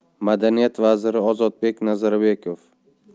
madaniyat vaziri ozodbek nazarbekov